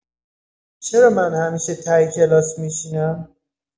چرا من همیشه ته کلاس می‌شینم؟